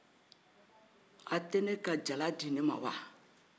a tɛ ne ka jala di nin ma wa